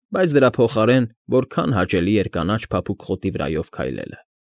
Բայց դրա փոխարեն որքա՜ն հաճելի էր կանաչ փափուկ խոտի վրայով քայլելը։